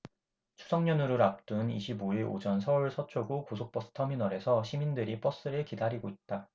추석연휴를 앞둔 이십 오 일 오전 서울 서초구 고속버스터미널에서 시민들이 버스를 기다리고 있다